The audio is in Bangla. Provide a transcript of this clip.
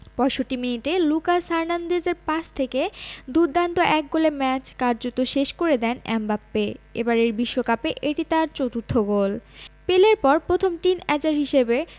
৬৫ মিনিটে লুকাস হার্নান্দেজের পাস থেকে দুর্দান্ত এক গোলে ম্যাচ কার্যত শেষ করে দেন এমবাপ্পে এবারের বিশ্বকাপে এটি তার চতুর্থ গোল পেলের পর প্রথম টিনএজার হিসেবে